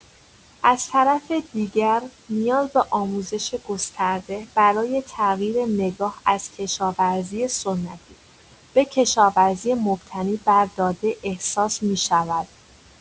از طرف دیگر، نیاز به آموزش گسترده برای تغییر نگاه از کشاورزی سنتی به کشاورزی مبتنی بر داده احساس می‌شود.